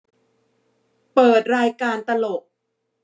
เปิดรายการตลก